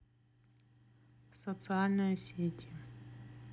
социальные сети